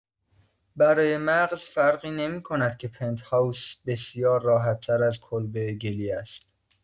برای مغز فرقی نمی‌کند که پنت‌هاوس بسیار راحت‌تر از کلبه گلی است.